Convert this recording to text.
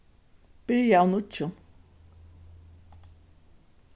byrja av nýggjum